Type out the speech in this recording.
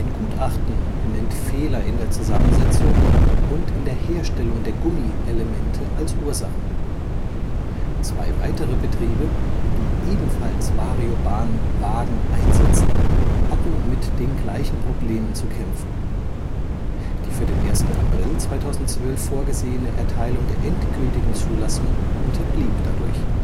Gutachten nennt Fehler in der Zusammensetzung und in der Herstellung der Gummielemente als Ursache. Zwei weitere Betriebe, die ebenfalls Variobahn-Wagen einsetzen, hatten mit den gleichen Problemen zu kämpfen. Die für den 1. April 2012 vorgesehene Erteilung der endgültigen Zulassung unterblieb dadurch